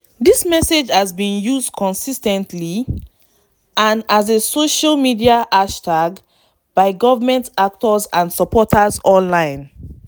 This message has been used consistently, and as a social media hashtag, by government actors and supporters online.